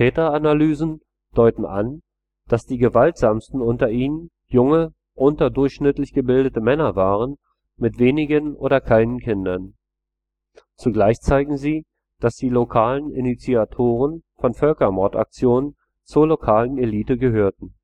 Täteranalysen deuten an, dass die gewaltsamsten unter ihnen junge, unterdurchschnittlich gebildete Männer waren mit wenigen oder keinen Kindern. Zugleich zeigen sie, dass die lokalen Initiatoren von Völkermordaktionen zur lokalen Elite gehörten